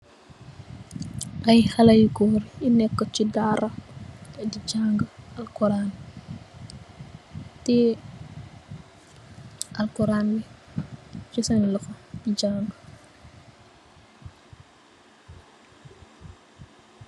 Ay xale goor yu nekka ci dara di jaage al quran teh alquran ci sin loho di jaage.